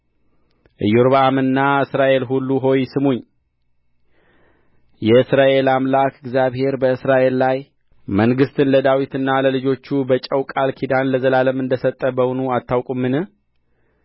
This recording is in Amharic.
ኢዮርብዓምና እስራኤል ሁሉ ሆይ ስሙኝ የእስራኤል አምላክ እግዚአብሔር በእስራኤል ላይ መንግሥትን ለዳዊትና ለልጆቹ በጨው ቃል ኪዳን ለዘላለም እንደ ሰጠ በውኑ አታውቁምን